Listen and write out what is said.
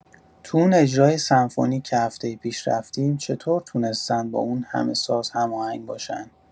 تو اون اجرای سمفونیک که هفته پیش رفتیم، چطور تونستن با اون همه ساز هماهنگ باشن؟